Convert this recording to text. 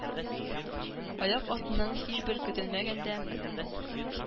Аяк астынан һичбер көтелмәгәндә